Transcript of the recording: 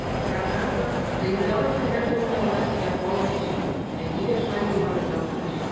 Программа "дөньядагы хәлләр турында гына сөйләп калмаячак, ә нигә шулай булганын да аңлатачак".